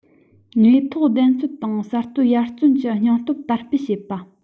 དངོས ཐོག བདེན འཚོལ དང གསར གཏོད ཡར བརྩོན གྱི སྙིང སྟོབས དར སྤེལ བྱས པ